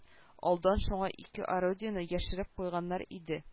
Алдан шунда ике орудиене яшереп куйганнар иде